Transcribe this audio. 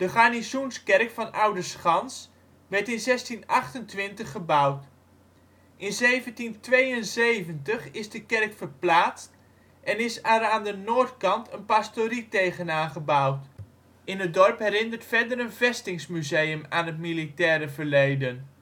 Garnizoenskerk van Oudeschans werd in 1628 gebouwd. In 1772 is de kerk verplaatst en is er aan de noordkant een pastorie tegenaan gebouwd. In het dorp herinnert verder een vestingsmuseum aan het militaire verleden